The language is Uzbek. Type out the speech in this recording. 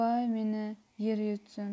voy meni yer yutsin